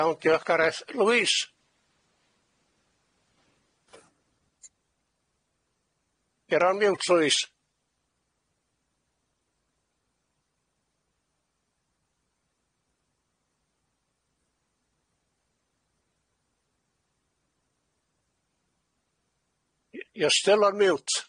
Iawn diolch Gareth. Louise? Ti ar mute Louise. You're still ar mute.